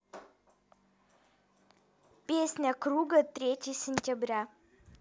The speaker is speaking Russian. песня круга третье сентября